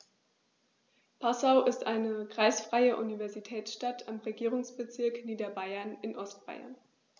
Passau ist eine kreisfreie Universitätsstadt im Regierungsbezirk Niederbayern in Ostbayern.